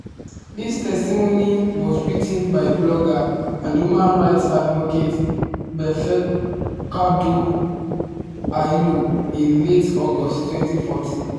This testimony was written by blogger and human rights advocate Befeqadu Hailu in late August 2014.